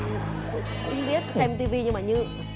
không biết xem ti vi mà như